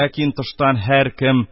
Ләкин тыштан һәркем